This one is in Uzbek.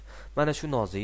mana shu nozik